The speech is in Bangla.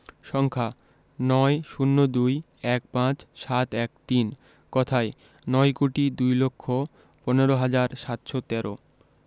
সংখ্যাঃ ৯ ০২ ১৫ ৭১৩ কথায়ঃ নয় কোটি দুই লক্ষ পনেরো হাজার সাতশো তেরো